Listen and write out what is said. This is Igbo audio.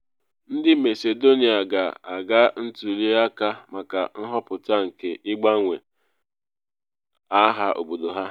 Ndị Macedonia ga-aga ntuli aka maka nhọpụta nke ịgbanwe aha obodo ha